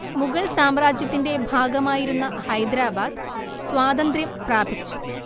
മുഗള്‍ സാമ്രാജ്യത്തിന്റെ ഭാഗമായിരുന്ന ഹൈദരാബാദ് സ്വാതന്ത്ര്യം പ്രാപിച്ചു